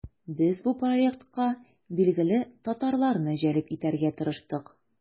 Без бу проектка билгеле татарларны җәлеп итәргә тырыштык.